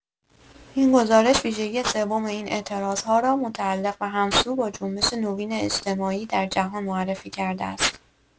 این گزارش ویژگی سوم این اعتراض‌ها را متعلق و همسو با «جنبش نوین اجتماعی» در جهان معرفی کرده است.